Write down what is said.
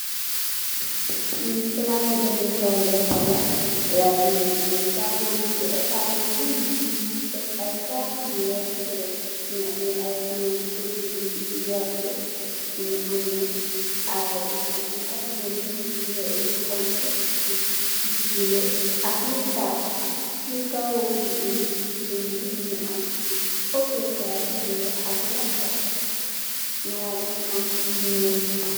Lii palaci demekay lekah la, like nyungi ammeh tableu yugudah, tableu yu nyul mungi deff ay casiwer yu wehh, mungi amm ay togu, togu yu werte, mungi ammeh ay bolon yu hongu, yu bleu ak yu takh. Si kaw cileen bi mungi amm opekay bu wehh ak lampa.